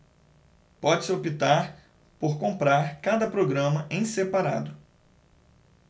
pode-se optar por comprar cada programa em separado